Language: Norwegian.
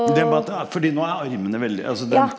det med at fordi nå er armene veldig altså dem.